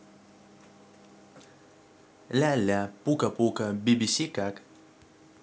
ляля пука пука bbc как